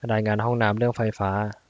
รายงานห้องน้ำเรื่องไฟฟ้า